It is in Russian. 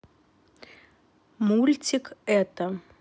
мультик это